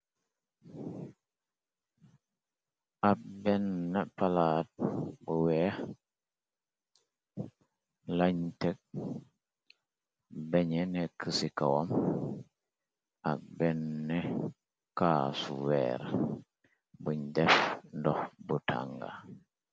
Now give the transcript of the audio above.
Ab bena palaat bu weex lañtek banex nekka ci kawam ak benna caasuweer buñ def ndox bu tanga.